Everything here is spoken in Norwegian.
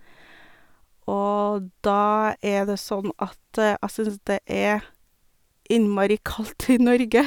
Og da er det sånn at jeg syns det er innmari kaldt i Norge.